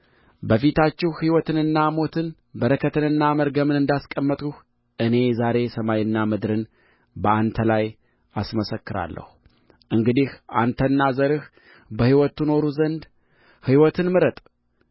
በፊታችሁ ሕይወትንና ሞትን በረከትንና መርገምን እንዳስቀመጥሁ እኔ ዛሬ ሰማይንና ምድርን በአንተ ላይ አስመሰክራለሁ እንግዲህ አንተና ዘርህ በሕይወት ትኖሩ ዘንድ ሕይወትን ምረጥ